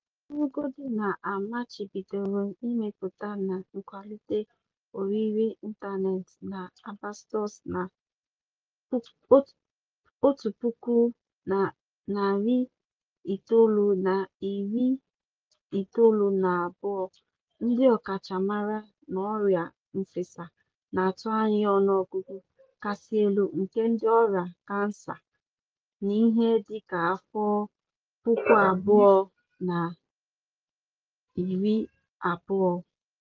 Ya bụrụgodu na a machibidoro mmịpụta na nkwalite orire Eternit na asbestos na 1992, ndị ọkachamara n'ọrịa nfesa na-atụ anya ọnụọgụgụ kasị elu nke ndị ọrịa kansa n'ihe dịka afọ 2020.